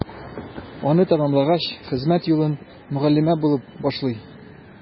Аны тәмамлагач, хезмәт юлын мөгаллимә булып башлый.